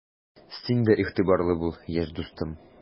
Син дә игътибарлы бул, яшь дустым!